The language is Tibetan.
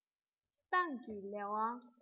ཏང གི ལས དབང